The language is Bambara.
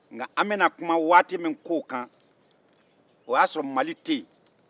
an bɛna kuma waati min kow kan o y'a sɔrɔ mali tɛ yen